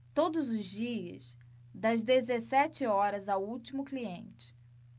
todos os dias das dezessete horas ao último cliente